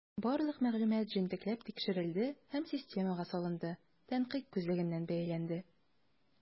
Барлык мәгълүмат җентекләп тикшерелде һәм системага салынды, тәнкыйть күзлегеннән бәяләнде.